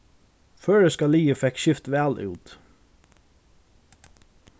føroyska liðið fekk skift væl út